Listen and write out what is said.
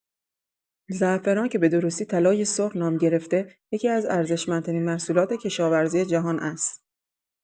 زعفران که به‌درستی «طلای سرخ» نام گرفته، یکی‌از ارزشمندترین محصولات کشاورزی جهان است.